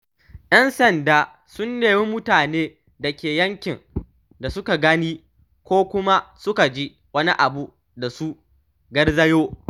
‘Yan sanda sun nemi mutane da ke yankin da suka gani ko kuma suka ji wani abu da su garzayo.